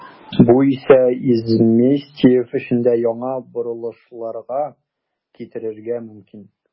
Бу исә Изместьев эшендә яңа борылышларга китерергә мөмкин.